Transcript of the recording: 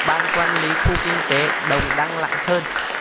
ban quan lý khu kinh tế đồng đăng lạng sơn